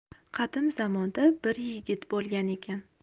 qadim zamonda bir yigit bo'lgan ekan